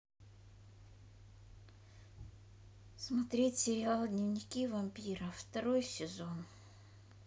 смотреть сериал дневники вампира второй сезон